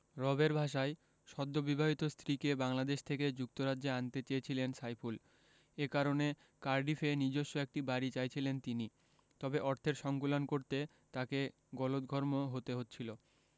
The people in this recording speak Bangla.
রবের ভাষায় সদ্যবিবাহিত স্ত্রীকে বাংলাদেশ থেকে যুক্তরাজ্যে আনতে চেয়েছিলেন সাইফুল এ কারণে কার্ডিফে নিজস্ব একটি বাড়ি চাইছিলেন তিনি তবে অর্থের সংকুলান করতে তাঁকে গলদঘর্ম হতে হচ্ছিল